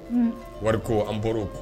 Wariko an bɔr'o